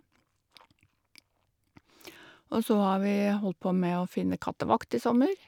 Og så har vi holdt på med å finne kattevakt i sommer.